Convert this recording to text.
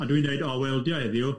A dwi'n dweud, o, weldio heddiw.